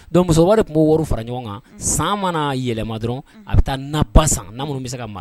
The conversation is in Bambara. Don musokɔrɔba de tun'o woro fara ɲɔgɔn kan san mana yɛlɛma dɔrɔn a bɛ taa na ba san minnu bɛ se ka